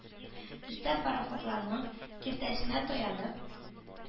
Өстә пароходларның киртәсенә таянып